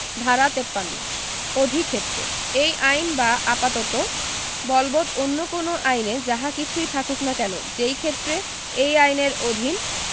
ধারা ৫৩ অধিক্ষেত্রে এই আইন বা আপাততঃ বলবৎ অন্য কোন আইনে যাহা কিছুই থাকুক না কেন যেইক্ষেত্রে এই আইনের অধীন